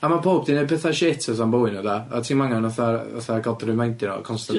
A ma' powb 'di neud petha shit fatha yn bywyd nhw de, a ti'm angen fatha fatha ga'l dy remeindio constantly ia?